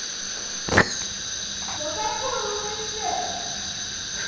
что такое лсд